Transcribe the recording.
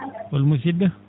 hol musid?o